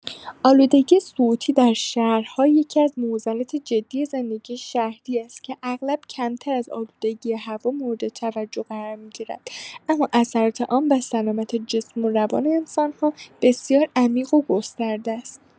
آلودگی صوتی در شهرها یکی‌از معضلات جدی زندگی شهری است که اغلب کمتر از آلودگی هوا مورد توجه قرار می‌گیرد، اما اثرات آن بر سلامت جسم و روان انسان‌ها بسیار عمیق و گسترده است.